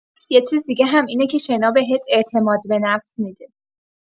یه چیز دیگه هم اینه که شنا بهت اعتماد به نفس می‌ده.